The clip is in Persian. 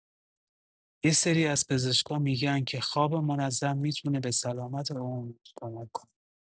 یه سری از پزشکا می‌گن که خواب منظم می‌تونه به سلامت عمومی کمک کنه.